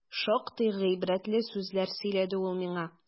Шактый гыйбрәтле сүзләр сөйләде ул миңа.